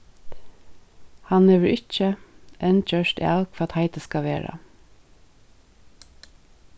hann hevur ikki enn gjørt av hvat heitið skal vera